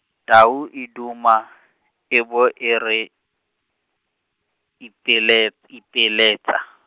tau e duma, e bo e re, ipile- ipiletsa.